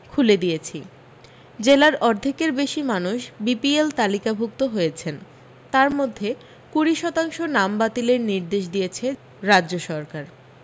খুলে দিয়েছি জেলার অর্ধেকের বেশী মানুষ বিপিএল তালিকাভুক্ত হয়েছেন তার মধ্যে কুড়ি শতাংশ নাম বাতিলের নির্দেশ দিয়েছে রাজ্য সরকার